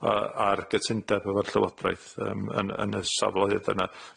yy ar gytundeb efo'r Llywodraeth yym yn yn y safleoedd yna.